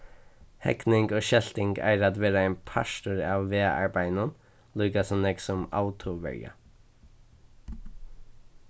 hegning og skelting eigur at vera ein partur av vegarbeiðinum líka so nógv sum autoverja